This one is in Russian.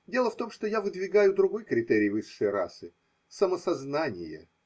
Дело в том, что я выдвигаю другой критерий высшей расы: самосознание.